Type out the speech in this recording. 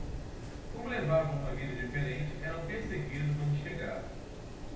como levavam uma vida diferente eram perseguidos onde chegavam